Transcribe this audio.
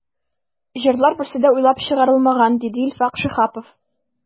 “җырлар берсе дә уйлап чыгарылмаган”, диде илфак шиһапов.